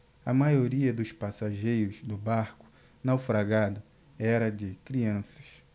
a maioria dos passageiros do barco naufragado era de crianças